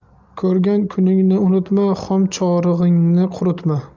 ko'rgan kuningni unutma xom chorig'ingni quritma